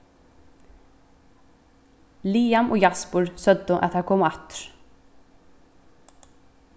liam og jaspur søgdu at teir komu aftur